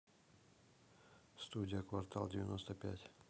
студия квартал девяносто пять